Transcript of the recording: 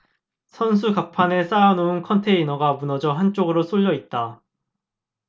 선수 갑판에 쌓아놓은 컨테이너가 무너져 한쪽으로 쏠려 있다